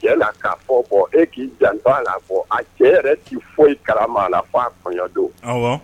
jɛ la ka fɔ e k'i jan la fɔ a cɛ yɛrɛ' foyi karama a la a kɔɲɔdon